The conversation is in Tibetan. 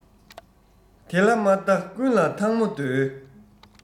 དེ ལ མ ལྟ ཀུན ལ ཐང མོ རྡོལ